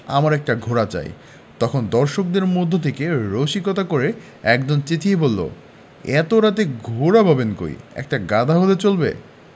আমার একটি ঘোড়া চাই – তখন দর্শকদের মধ্য থেকে রসিকতা করে একজন চেঁচিয়ে বললো এত রাতে ঘোড়া পাবেন কই একটি গাধা হলে চলবে